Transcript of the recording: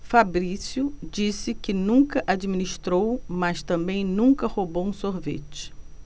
fabrício disse que nunca administrou mas também nunca roubou um sorvete